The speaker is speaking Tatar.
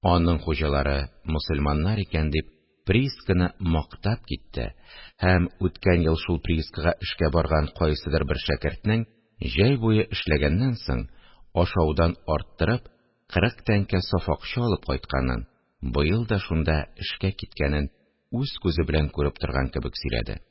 Аның хуҗалары мөселманнар икән, – дип, приисканы мактап китте һәм үткән ел шул приискага эшкә барган кайсыдыр бер шәкертнең, җәй буе эшләгәннән соң, ашаудан арттырып, кырык тәңкә саф акча алып кайтканын, быел да шунда эшкә киткәнен үз күзе белән күреп торган кебек сөйләде